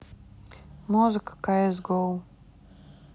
музыка кс гоу